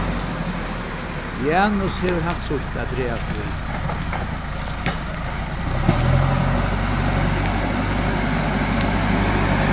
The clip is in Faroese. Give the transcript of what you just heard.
janus hevur havt sítt at dragast við